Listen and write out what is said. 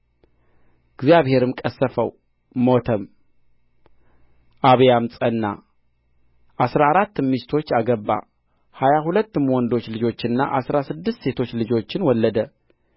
እግዚአብሔርም ቀሠፈው ሞተም አብያም ጸና አሥራ አራትም ሚስቶች አገባ ሀያ ሁለትም ወንዶች ልጆችንና አሥራ ስድስት ሴቶች ልጆችን ወለደ